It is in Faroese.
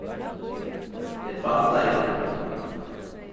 eg tvætlaði bara